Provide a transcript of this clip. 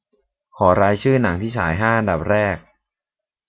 ขอรายชื่อหนังที่ฉายห้าอันดับแรก